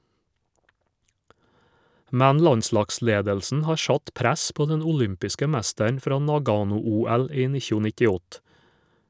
Men landslagsledelsen har satt press på den olympiske mesteren fra Nagano-OL i 1998.